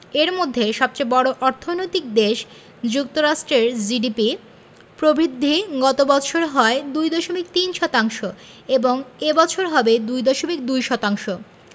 এর মধ্যে সবচেয়ে বড় অর্থনৈতিক দেশ যুক্তরাষ্ট্রের জিডিপি প্রবৃদ্ধি গত বছর হয় ২.৩ শতাংশ এবং এ বছর হবে ২.২ শতাংশ